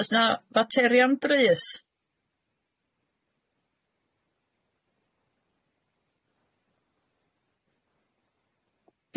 Oes 'na faterion brys?